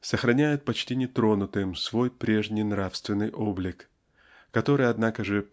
сохраняют почти нетронутым свой прежний нравственный облик который однако же